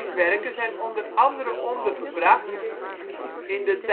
werken zijn onder andere ondergebracht in de